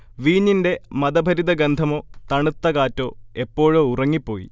വീഞ്ഞിന്റെ മദഭരിത ഗന്ധമോ, തണുത്ത കാറ്റോ, എപ്പോഴോ ഉറങ്ങിപ്പോയി